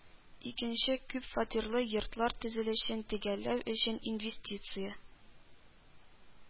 Икенче күпфатирлы йортлар төзелешен төгәлләү өчен инвестиция